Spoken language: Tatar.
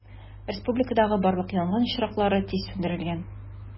Республикадагы барлык янгын очраклары тиз сүндерелгән.